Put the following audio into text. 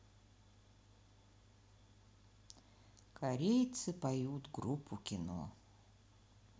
корейцы поют группу кино